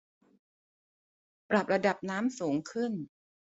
ปรับระดับน้ำสูงขึ้น